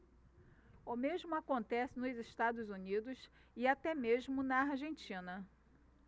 o mesmo acontece nos estados unidos e até mesmo na argentina